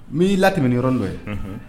N'i lat ni yɔrɔ dɔ ye